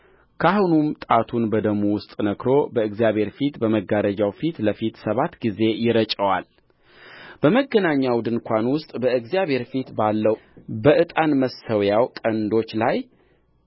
ካህኑም ጣቱን በደሙ ውስጥ ነክሮ በእግዚአብሔር ፊት በመጋረጃው ፊት ለፊት ሰባት ጊዜ ይረጨዋልበመገናኛውም ድንኳን ውስጥ በእግዚአብሔር ፊት ባለው በዕጣን መሠዊያው ቀንዶች ላይ